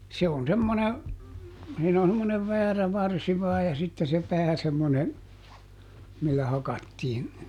se on semmoinen siinä on semmoinen väärä varsi vain ja sitten se pää semmoinen millä hakattiin